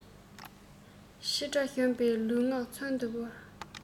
ཕྱི དགྲ གཞོམ པའི ལུས ངག མཚོན དུ འབར